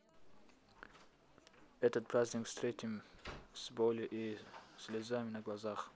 этот праздник встретим с болью и слезами на глазах